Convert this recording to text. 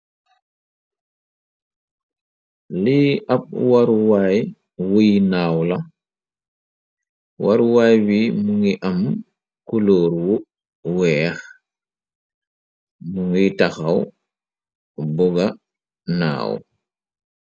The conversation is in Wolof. Lii ab waruwaay wuy naaw la waruwaay wi mu ngi am kulóorw weex mu ngiy taxaw buga naaw.